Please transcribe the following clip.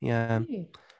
Ie... Really?